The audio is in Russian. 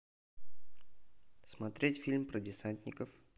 смотреть фильм про десантников